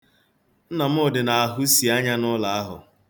Nnamdị na-ahụsi anya n'ụlọ ahụ.